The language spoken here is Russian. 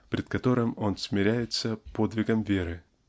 пред которым он смиряется подвигов веры.